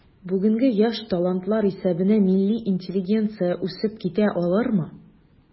Бүгенге яшь талантлар исәбенә милли интеллигенция үсеп китә алырмы?